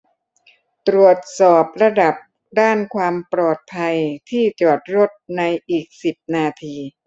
ตรวจสอบระดับด้านความปลอดภัยที่จอดรถในอีกสิบนาที